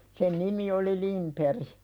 sen nimi oli Lindberg